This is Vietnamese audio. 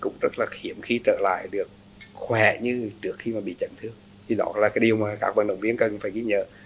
cũng rất là hiếm khi trở lại được khỏe như trước khi mà bị chấn thương thì đó là điều mà các vận động viên cần phải ghi nhớ